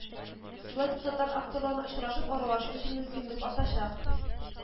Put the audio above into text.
Шулай итеп татар авторларына очрашып, аралашу өчен мөмкинлек артачак